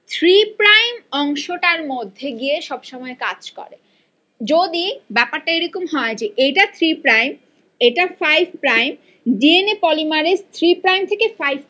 three prime অংশটার মধ্যে গিয়ে সে সবসময়ই কাজ করে যদি ব্যাপারটা এরকম হয় যে এটা থ্রি প্রাইম এটা five prime DNA polymerase three prime থেকে ফাইভ